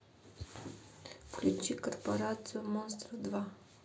включи корпорацию монстров два